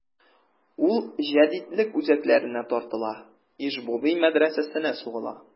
Ул җәдитлек үзәкләренә тартыла: Иж-буби мәдрәсәсенә сугыла.